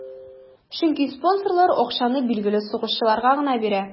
Чөнки спонсорлар акчаны билгеле сугышчыларга гына бирә.